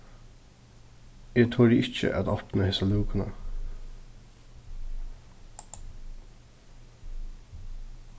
eg tori ikki at opna hesa lúkuna